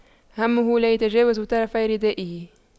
همه لا يتجاوز طرفي ردائه